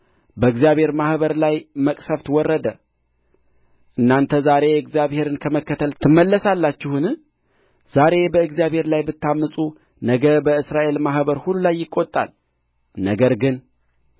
በእግዚአብሔር ማኅበር ላይ መቅሰፍት ወረደ እናንተ ዛሬ እግዚአብሔርን ከመከተል ትመለሳላችሁን ዛሬ በእግዚአብሔር ላይ ብታምፁ ነገ በእስራኤል ማኅበር ሁሉ ላይ ይቈጣል ነገር ግን